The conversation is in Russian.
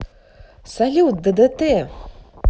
салют ддт